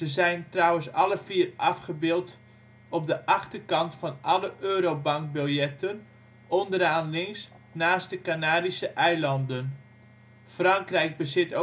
zijn trouwens alle vier afgebeeld op de achterkant van alle eurobankbiljetten, onderaan links naast de Canarische eilanden). Frankrijk bezit